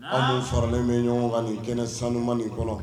Anw mun faralen bɛ ɲɔgɔn kan nin kɛnɛ sanuman nin kɔnɔ.